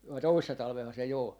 vai toissa talvenahan se jo oli